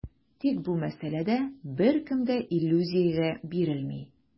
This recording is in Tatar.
Тик бу мәсьәләдә беркем дә иллюзиягә бирелми.